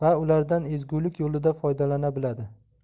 oladi va ulardan ezgulik yo'lida foydalana biladi